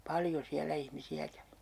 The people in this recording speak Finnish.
paljon siellä ihmisiä kävi